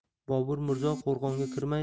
bobur mirzo qo'rg'onga